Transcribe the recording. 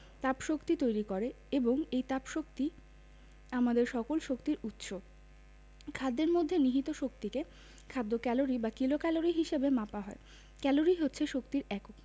তাপশক্তি তৈরি করে এবং এই তাপশক্তি আমাদের সকল শক্তির উৎস খাদ্যের মধ্যে নিহিত শক্তিকে খাদ্য ক্যালরি বা কিলোক্যালরি হিসেবে মাপা হয় ক্যালরি হচ্ছে শক্তির একক